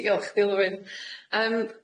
Diolch Dilwyn ydw i. Yym.